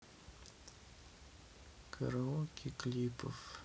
караоке клипов